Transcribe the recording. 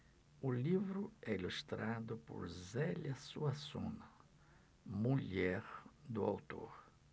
o livro é ilustrado por zélia suassuna mulher do autor